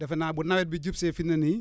defe naa bu nawet bi jub see fi mu ne nii